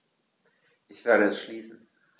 Ich werde es schließen.